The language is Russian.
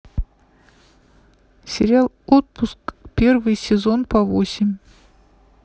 сериал отпуск первый сезон по восемь